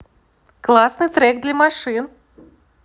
классный трек для машин